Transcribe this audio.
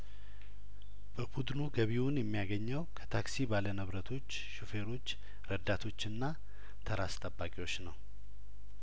በቡድኑ ገቢውን የሚያገኘው ከታክሲ ባለንብረቶች ሹፌሮች ረዳቶችና ተራ አስጠባቂዎች ነው